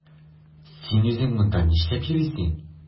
Син үзең монда нишләп йөрисең?